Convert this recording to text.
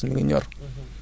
bu commencer di xeeñ